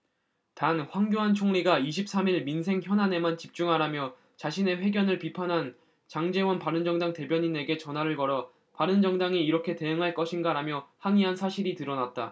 단 황교안 총리가 이십 삼 일 민생 현안에만 집중하라며 자신의 회견을 비판한 장제원 바른정당 대변인에게 전화를 걸어 바른정당이 이렇게 대응할 것인가라며 항의한 사실이 드러났다